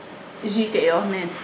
jus keyo neen